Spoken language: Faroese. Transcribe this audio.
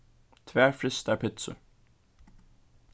tvær frystar pitsur